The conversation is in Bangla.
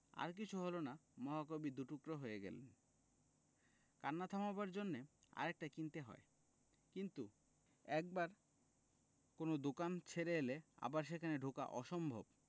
তার কিছু হল না মহাকবি দু'টুকরা হয়ে গেলেন কান্না থামাবার জন্যে আরেকটি কিনতে হয় কিন্তু একবার কোন দোকান ছেড়ে এলে আবার সেখানে ঢোকা অসম্ভব